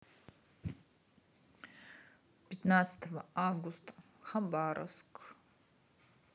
пятнадцатого августа хабаровск